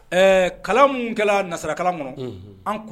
Ɛɛ Kalan mun kɛra nansarakala kɔnɔ , Unhun an kun